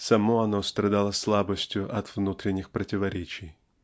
само оно страдало слабостью от внутренних противоречий.